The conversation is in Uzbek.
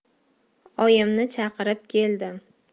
oyimni chaqirib keldim